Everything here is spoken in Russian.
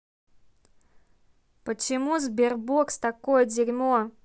почему sberbox такое дерьмо